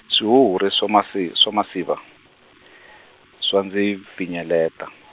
swihuhuri swa masi- swa misava, swa ndzi, pfinyetela.